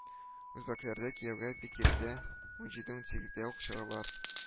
Үзбәкләрдә кияүгә бик иртә, унҗиде-унсигездә үк чыгалар